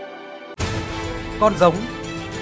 con con giống